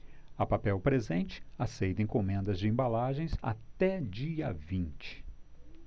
a papel presente aceita encomendas de embalagens até dia vinte